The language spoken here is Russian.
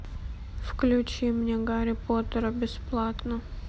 включи мне гарри поттера бесплатно